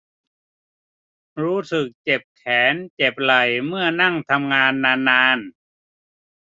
รู้สึกเจ็บแขนเจ็บไหล่เมื่อนั่งทำงานนานนาน